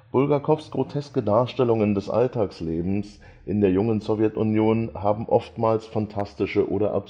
Bulgakows groteske Darstellungen des Alltagslebens in der jungen Sowjetunion haben oftmals fantastische oder